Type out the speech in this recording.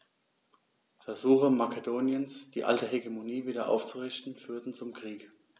Versuche Makedoniens, die alte Hegemonie wieder aufzurichten, führten zum Krieg.